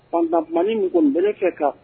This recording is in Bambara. Anta mali m bɛ fɛ kan